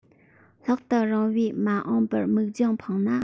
ལྷག ཏུ རིང བའི མ འོངས པར མིག རྒྱང འཕངས ན